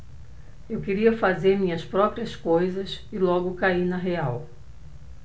eu queria fazer minhas próprias coisas e logo caí na real